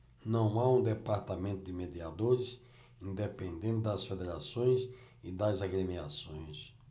não há um departamento de mediadores independente das federações e das agremiações